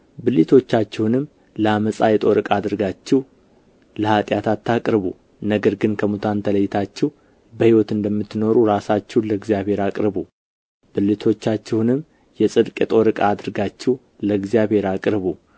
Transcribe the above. ብልቶቻችሁንም የዓመፃ የጦር ዕቃ አድርጋችሁ ለኃጢአት አታቅርቡ ነገር ግን ከሙታን ተለይታችሁ በሕይወት እንደምትኖሩ ራሳችሁን ለእግዚአብሔር አቅርቡ ብልቶቻችሁንም የጽድቅ የጦር ዕቃ አድርጋችሁ ለእግዚአብሔር አቅርቡ